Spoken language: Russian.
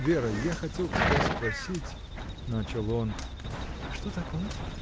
— Вера, я хотел тебя спросить. — начал он. — Что такое?